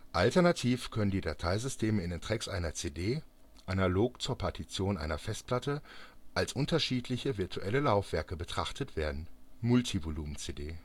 Alternativ können die Dateisysteme in den Tracks einer CD (analog zu Partitionen einer Festplatte) als unterschiedliche virtuelle Laufwerke betrachtet werden (Multivolume-CD